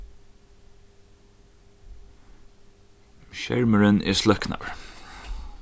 skermurin er sløknaður